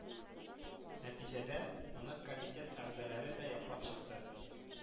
Нәтиҗәдә, моны комитет әгъзалары да яклап чыкты